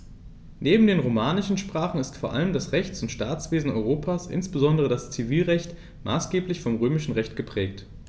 Neben den romanischen Sprachen ist vor allem das Rechts- und Staatswesen Europas, insbesondere das Zivilrecht, maßgeblich vom Römischen Recht geprägt.